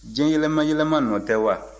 diɲɛ yɛlɛma-yɛlɛma nɔ tɛ wa